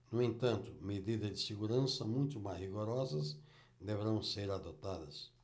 no entanto medidas de segurança muito mais rigorosas deverão ser adotadas